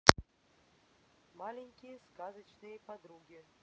маленькие сказочные подруги